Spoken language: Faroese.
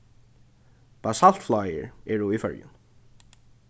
basaltfláir eru í føroyum